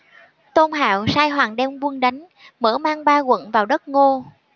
tôn hạo sai hoàng đem quân đánh mở mang ba quận vào đất ngô